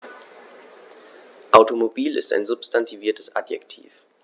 Automobil ist ein substantiviertes Adjektiv.